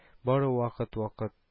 Бары вакыт-вакыт